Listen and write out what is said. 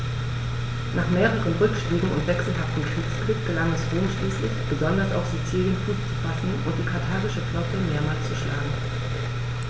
Nach mehreren Rückschlägen und wechselhaftem Kriegsglück gelang es Rom schließlich, besonders auf Sizilien Fuß zu fassen und die karthagische Flotte mehrmals zu schlagen.